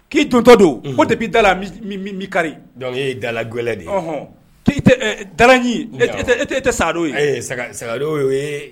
K'i dontɔ don ko de bɛ da mi kari e dala gɛlɛ de dala tɛ sa ye sa ye